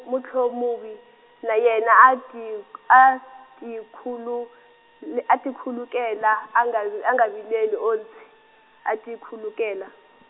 Mutlumuvi, na yena ati a tikhulul-, a tikhulukela a nga v-, a nga vileli o ntse, a tikhulukela.